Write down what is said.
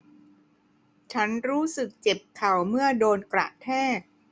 ฉันรู้สึกเจ็บเข่าเมื่อโดนกระแทก